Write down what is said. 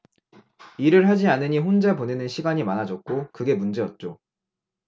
일을 하지 않으니 혼자 보내는 시간이 많아졌고 그게 문제였죠